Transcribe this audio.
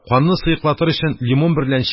Канны сыеклатыр өчен лимон берлән чәй эчәргә мәслихәт